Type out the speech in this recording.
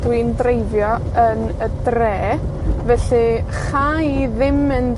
dwi'n dreifio yn y dre, felly cha i ddim mynd